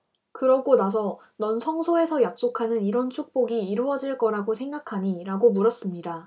그러고 나서 넌 성서에서 약속하는 이런 축복이 이루어질 거라고 생각하니 라고 물었습니다